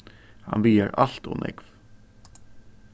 hann vigar alt ov nógv